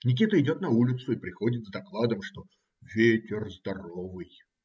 Никита идет на улицу и приходит с докладом, что "ветер здоровый".